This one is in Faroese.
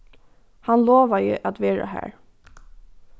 hann lovaði at vera har